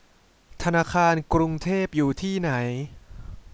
ธนาคารกรุงเทพอยู่ที่ไหน